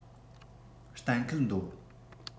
གཏན འཁེལ འདོད